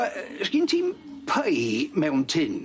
Yy sgin ti'm pei mewn tun?